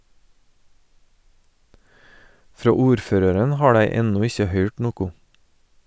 Frå ordføraren har dei enno ikkje høyrt noko.